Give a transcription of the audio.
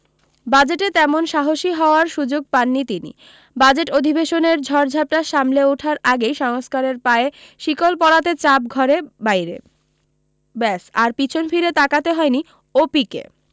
বাজেটে তেমন সাহসী হওয়ার সু্যোগ পাননি তিনি বাজেট অধিবেশনের ঝড়ঝাপটা সামলে ওঠার আগেই সংস্কারের পায়ে শিকল পরাতে চাপ ঘরে বাইরে ব্যস আর পিছন ফিরে তাকাতে হয়নি ও পি কে